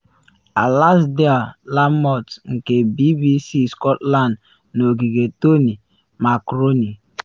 Alasdair Lamont nke BBC Scotland na Ogige Tony Macaroni